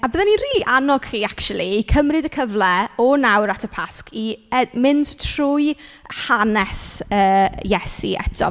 A bydden ni rili annog chi acshyli i cymryd y cyfle o nawr at y Pasg i e- mynd trwy hanes yy Iesu eto.